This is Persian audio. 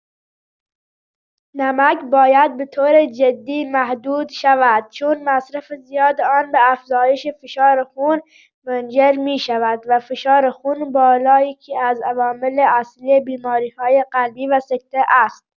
نمک باید به‌طور جدی محدود شود چون مصرف زیاد آن به افزایش فشار خون منجر می‌شود و فشار خون بالا یکی‌از عوامل اصلی بیماری‌های قلبی و سکته است.